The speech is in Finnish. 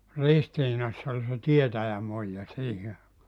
Ristiinassa oli se tietäjämuija siihen aikaan